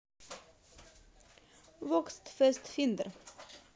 вокс фест финдер